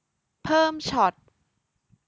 เพิ่มช็อต